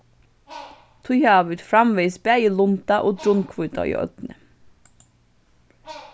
tí hava vit framvegis bæði lunda og drunnhvíta í oynni